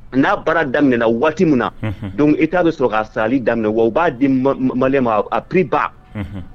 N'a baara daminɛna waati min na e t'a bɛ sɔrɔ ka saali daminɛ wa u b'a di male ma apba